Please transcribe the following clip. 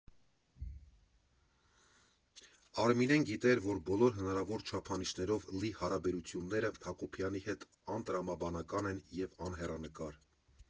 Արմինեն գիտեր, որ բոլոր հնարավոր չափանիշներով իր հարաբերությունները Հակոբյանի հետ անտրամաբանական են և անհեռանկար։